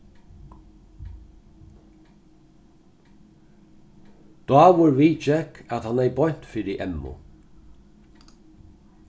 dávur viðgekk at hann hevði beint fyri emmu